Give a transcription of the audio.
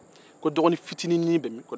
ko dɔgɔnin fitinin bɛ min